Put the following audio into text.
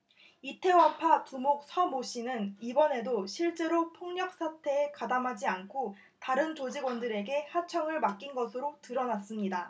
이태원파 두목 서 모 씨는 이번에도 실제로 폭력 사태에 가담하지 않고 다른 조직원들에게 하청을 맡긴 것으로 드러났습니다